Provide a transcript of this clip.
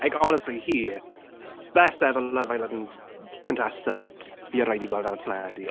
Like honestly, hi best ever Love Island contestant fi erioed 'di gweld ar y teledu.